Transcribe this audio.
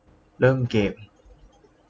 เริ่มเกม